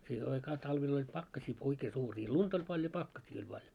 siihen aikaa talvella oli pakkasia oikein suuria lunta oli paljon pakkasia oli paljon